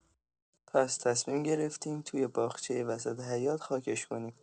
پس تصمیم گرفتیم توی باغچه وسط حیاط، خاکش کنیم.